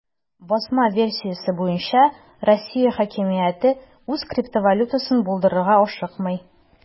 Басма версиясе буенча, Россия хакимияте үз криптовалютасын булдырырга ашыкмый.